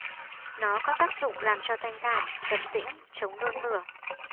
nó có tác dụng làm cho thanh thản trầm tĩnh chống nôn mửa